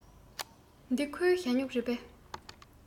འདི ཁོའི ཞ སྨྱུག རེད པས